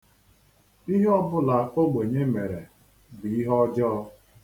Ihe ọbụla ogbenye mere bụ ihe ọjọọ.